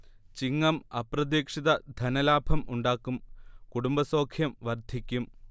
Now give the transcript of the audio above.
ചിങ്ങം അപ്രതീക്ഷിത ധനലാഭം ഉണ്ടാക്കും കുടുംബസൗഖ്യം വർധിക്കും